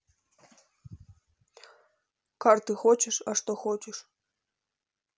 карты хочешь а что хочешь